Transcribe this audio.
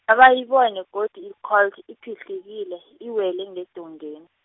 abayibone godu i- Colt, iphihlikile, iwele ngedongeni.